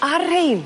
Ar rhein?